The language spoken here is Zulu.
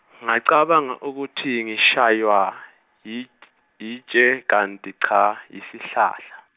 ngacabanga ukuthi ngishaywa yit- yitshe kanti cha yisihlahla.